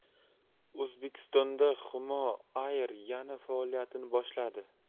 o'zbekistonda humo air yana faoliyatini boshladi